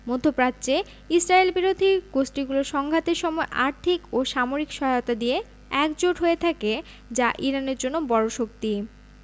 মধ্যপ্রাচ্যে ইসরায়েলবিরোধী গোষ্ঠীগুলো সংঘাতের সময় আর্থিক ও সামরিক সহায়তা দিয়ে একজোট হয়ে থাকে যা ইরানের জন্য বড় শক্তি